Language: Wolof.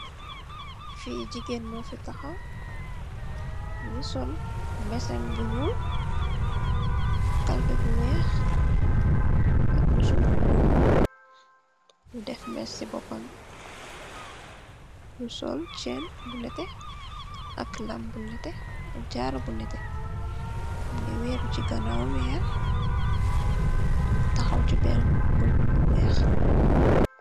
Fi jigeen mufi taxaw mungi sol mbasën bu ñuul, kalpe bu weex ak musoor bu ñuul mu def mess ci bopam bi, mu sol chain bu nete, ak lamm bu nete ak jarru bu nete, weeru ci gannaaw weer taxaw ci benna buntu bu weer.